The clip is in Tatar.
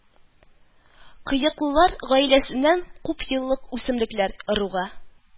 Кыяклылар гаиләсеннән күпьеллык үсемлекләр ыругы